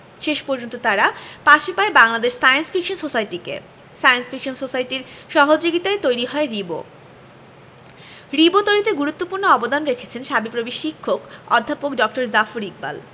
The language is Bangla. শেষ পর্যন্ত তারা পাশে পায় বাংলাদেশ সায়েন্স ফিকশন সোসাইটিকে সায়েন্স ফিকশন সোসাইটির সহযোগিতায়ই তৈরি হয় রিবো রিবো তৈরিতে গুরুত্বপূর্ণ অবদান রেখেছেন শাবিপ্রবির শিক্ষক অধ্যাপক ড জাফর ইকবাল